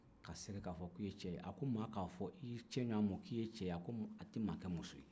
ka segin ka fɔ k'i ye cɛ a ko maa ka f'i cɛɲɔgɔn ma k'i ye cɛ ye o tɛ maa kɛ muso ye